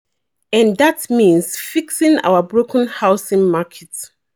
And that means fixing our broken housing market.